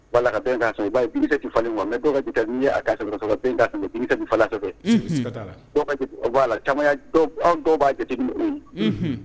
Wala la ka bɛn ka b' yeti falen ma mɛ ka ka saba fa la aw dɔw b'a jatigi